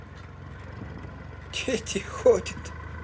дети ходят